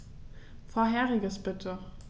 Vorheriges bitte.